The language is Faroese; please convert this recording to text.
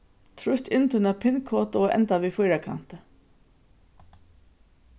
trýst inn tína pin-kodu og enda við fýrakanti